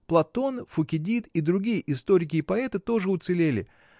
Платон, Фукидид — и другие историки и поэты тоже уцелели.